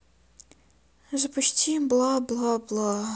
запусти бла бла бла